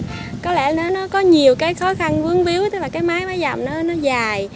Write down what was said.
có lẽ nó nó có nhiều cái khó khăn vướng víu cái máy nó dẩm nó dài